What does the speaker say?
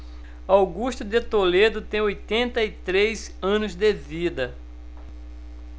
augusto de toledo tem oitenta e três anos de vida